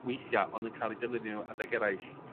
weithia' ond yn ca'l eu defnyddio nw adeg eraill.